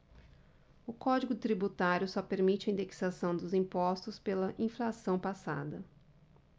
o código tributário só permite a indexação dos impostos pela inflação passada